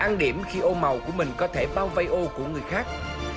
ăn điểm khi ô màu của mình có thể bao vây ô của người khác